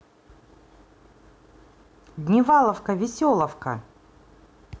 дневаловка веселовка